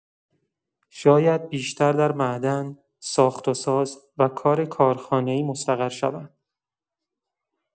شاید بیشتر در معدن، ساخت و ساز و کار کارخانه‌ای مستقر شوند.